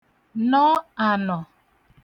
nọ ànọ̀